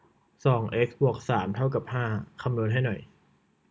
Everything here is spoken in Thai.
สองเอ็กซ์บวกสามเท่ากับห้าคำนวณให้หน่อย